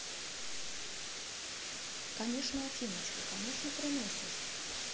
конечно афиночка конечно приносишь